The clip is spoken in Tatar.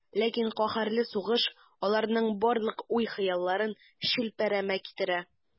Ләкин каһәрле сугыш аларның барлык уй-хыялларын челпәрәмә китерә.